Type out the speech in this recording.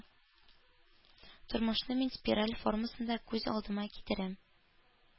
Тормышны мин спираль формасында күз алдына китерәм.